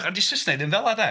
A 'di Saesneg ddim fel 'na de.